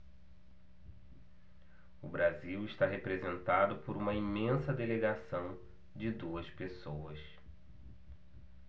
o brasil está representado por uma imensa delegação de duas pessoas